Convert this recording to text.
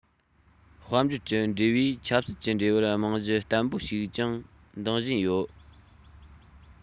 དཔལ འབྱོར གྱི འབྲེལ བས ཆབ སྲིད ཀྱི འབྲེལ བར རྨང གཞི བརྟན པོ ཞིག ཀྱང འདིང བཞིན ཡོད